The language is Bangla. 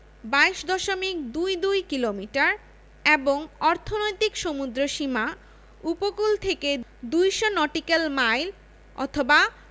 ২২ দশমিক দুই দুই কিলোমিটার এবং অর্থনৈতিক সমুদ্রসীমা উপকূল থেকে ২০০ নটিক্যাল মাইল